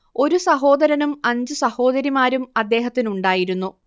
ഒരു സഹോദരനും അഞ്ചു സഹോദരിമാരും അദ്ദേഹത്തിനുണ്ടായിരുന്നു